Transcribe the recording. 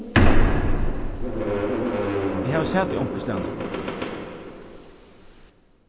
eg havi sæð teg onkustaðni